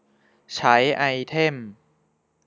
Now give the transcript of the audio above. ใช้ไอเทม